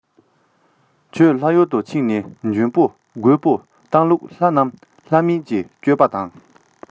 ཁྱོད ལྷ ཡུལ དུ ཕྱིན ནས འཇོན པོ རྒོས པོ བཏང ལུགས ལྷ རྣམས ལྷ མིན གྱིས བཅོམ པ དང